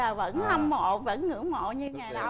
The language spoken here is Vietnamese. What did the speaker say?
dạ vẫn hâm mộ vẫn ngưỡng mộ như ngày đó